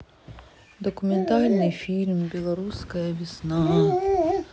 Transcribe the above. документальный фильм белорусская весна